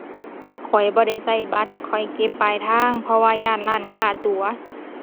ข้อยบ่ได้ใช้บัตร ข้อยเก็บปลายทาง เพราะว่าย้านร้านค้าตั๋ว